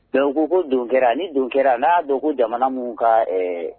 ko don kɛra yan, ni don kɛra n'a y'a don jamana min ka ɛɛ